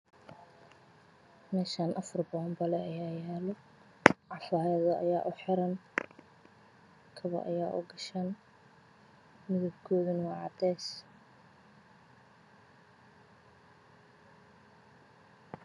Meeshaan afar bambara ayaa yaalo afhayedo ayaa u gashan karo ayaa u xiran midabkoodana waa cadday